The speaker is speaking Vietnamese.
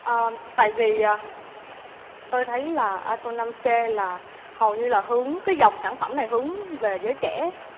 ờ tại vì tôi thấy là ai phôn năm sê là hầu như là hướng cái dòng sản phẩm này hướng về giới trẻ